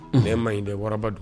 Ne man ɲi dɛ waraba don